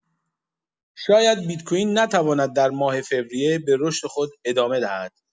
شاید بیت کوین نتواند در ماه فوریه به رشد خود ادامه دهد.